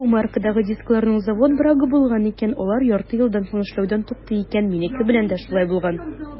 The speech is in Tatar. Бу маркадагы дискларның завод брагы булган икән - алар ярты елдан соң эшләүдән туктый икән; минеке белән дә шулай булган.